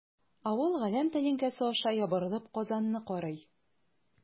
Авыл галәм тәлинкәсе аша ябырылып Казанны карый.